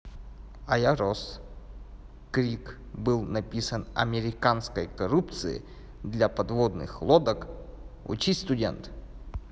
а я рос крик был написан американской корпорации для подводных лодок учись студент